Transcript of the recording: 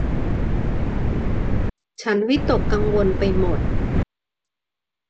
ฉันวิตกกังวลไปหมด